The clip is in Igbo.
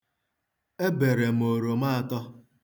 Ebere m oroma atọ.